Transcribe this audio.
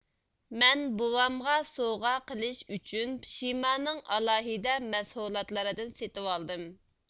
مەن بوۋامغا سوۋغا قىلىش ئۈچۈن شىمانىڭ ئالاھىدە مەھسۇلاتلىرىدىن سېتىۋالدىم